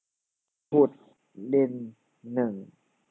ขุดดินหนึ่ง